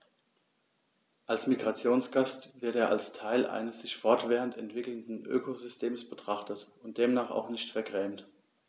Als Migrationsgast wird er als Teil eines sich fortwährend entwickelnden Ökosystems betrachtet und demnach auch nicht vergrämt.